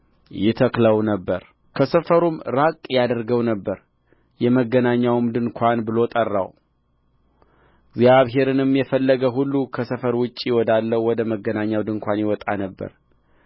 ይተክለው ነበር ከሰፈሩም ራቅ ያደርገው ነበር የመገናኛውም ድንኳን ብሎ ጠራው እግዚአብሔርንም የፈለገ ሁሉ ከሰፈር ውጭ ወዳለው ወደ መገናኛው ድንኳን ይወጣ ነበር